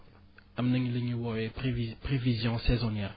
am nañ lu ñuy woowee prévi prévision saisonnière